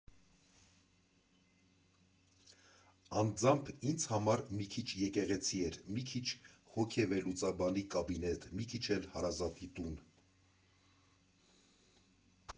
Անձամբ ինձ համար մի քիչ եկեղեցի էր, մի քիչ հոգեվերլուծաբանի կաբինետ, մի քիչ էլ հարազատի տուն։